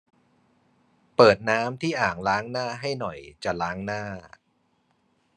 เปิดน้ำที่อ่างล้างหน้าให้หน่อยจะล้างหน้า